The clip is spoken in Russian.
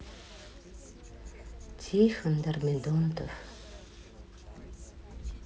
тихон дормидонтов